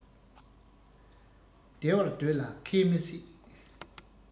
བདེ བར སྡོད ལ མཁས མི སྲིད